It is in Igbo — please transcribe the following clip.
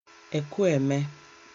Ekwueme